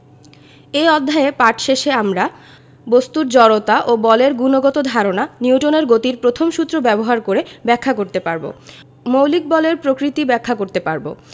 এ অধ্যায়ে পাঠ শেষে আমরা বস্তুর জড়তা ও বলের গুণগত ধারণা নিউটনের গতির প্রথম সূত্র ব্যবহার করে ব্যাখ্যা করতে পারব মৌলিক বলের প্রকৃতি ব্যাখ্যা করতে পারব